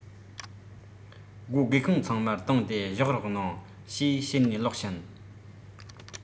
སྒོ སྒེའུ ཁུང ཚང མ གདང སྟེ བཞག རོགས གནང ཞེས བཤད ནས ལོག ཕྱིན